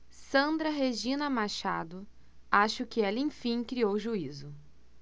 sandra regina machado acho que ela enfim criou juízo